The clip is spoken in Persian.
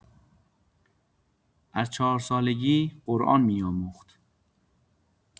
از چهارسالگی قرآن می‌آموخت.